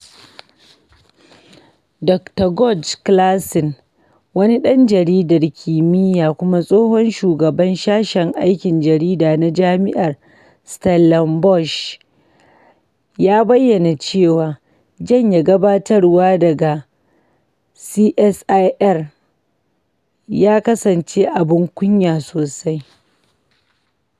Dr. George Claassen, wani ɗan jaridar kimiyya kuma tsohon shugaban sashen aikin jarida na Jami’ar Stellenbosch, ya bayyana cewa janye gabatarwa daga CSIR ya kasance “abin kunya sosai.”